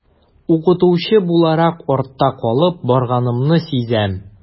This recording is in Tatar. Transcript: Укытучы буларак артта калып барганымны сизәм.